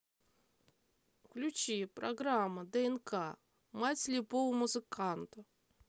включи программа днк мать слепого музыканта